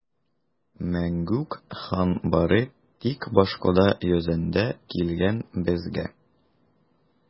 Мәңгүк хан бары тик башкода йөзендә килгән безгә!